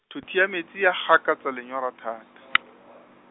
thothi ya metsi ya gakatsa lenyora thata .